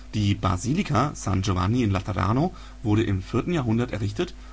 Die Basilica San Giovanni in Laterano wurde im 4. Jahrhundert errichtet